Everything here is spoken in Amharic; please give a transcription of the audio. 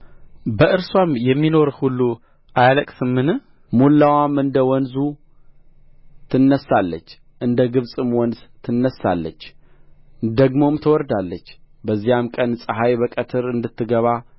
በእርስዋም የሚኖር ሁሉ አያለቅስምን ሙላዋም እንደ ወንዙ ትነሣለች እንደ ግብጽም ወንዝ ትነሣለች ደግሞም ትወርዳለች በዚያም ቀን ፀሐይ በቀትር እንድትገባ